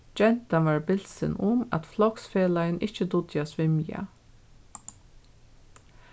gentan var bilsin um at floksfelagin ikki dugdi at svimja